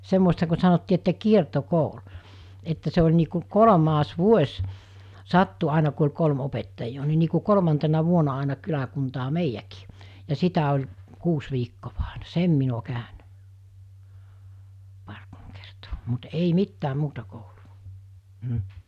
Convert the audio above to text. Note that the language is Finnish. semmoista kuin sanottiin että kiertokoulu että se oli niin kuin kolmas vuosi sattui aina kun oli kolme opettajaa niin niin kuin kolmantena vuonna aina kyläkuntaan meidänkin ja sitä oli kuusi viikkoa aina sen minä olen käynyt pari kolme kertaa mutta ei mitään muuta koulua mm